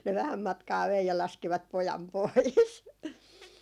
ne vähän matkaa vei ja laskivat pojan pois